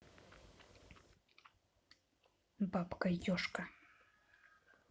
бабка ежка